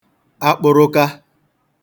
akpụrụka